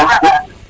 *